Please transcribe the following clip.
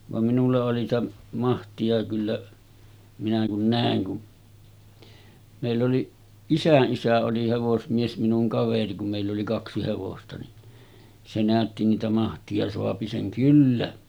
vaan minulla oli sitä mahtia kyllä minä kun näin kun meillä oli isän isä oli hevosmies minun kaveri kun meillä oli kaksi hevosta niin se näytti niitä mahtia saa sen kyllä